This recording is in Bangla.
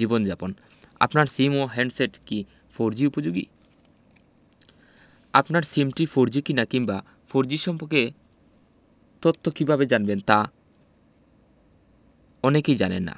জীবনযাপন আপনার সিম ও হ্যান্ডসেট কি ফোরজি উপযোগী আপনার সিমটি ফোরজি কিনা কিংবা ফোরজি সম্পর্কে তথ্য কীভাবে জানবেন তা অনেকেই জানেন না